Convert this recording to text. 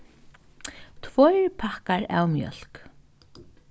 tveir pakkar av mjólk